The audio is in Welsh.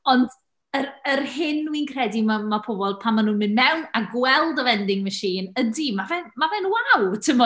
Ond, yr yr hyn wi'n credu ma' ma' pobl, pan maen nhw'n mynd mewn a gweld y vending machine, ydy mae fe'n ma fe'n, "waw" timod.